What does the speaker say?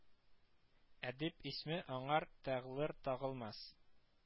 Әдип исме аңар тагълыр-тагылмас